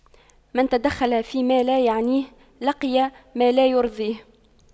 من تَدَخَّلَ فيما لا يعنيه لقي ما لا يرضيه